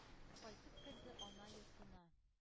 Кайтып керде ана йортына.